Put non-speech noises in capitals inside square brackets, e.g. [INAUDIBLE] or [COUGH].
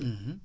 [HESITATION] [HESITATION]